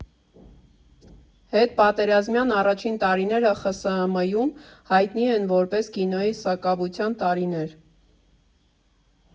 Հետպատերազմյան առաջին տարիները ԽՍՀՄ֊ում հայտնի են որպես կինոյի սակավության տարիներ։